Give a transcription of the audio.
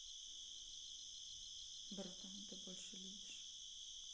братан ты больше любишь